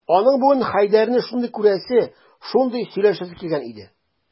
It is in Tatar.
Аның бүген Хәйдәрне шундый күрәсе, шундый сөйләшәсе килгән иде...